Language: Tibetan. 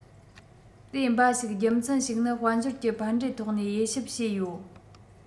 དེ འབའ ཞིག རྒྱུ མཚན ཞིག ནི དཔལ འབྱོར གྱི ཕན འབྲས ཐོག ནས དབྱེ ཞིབ བྱས ཡོད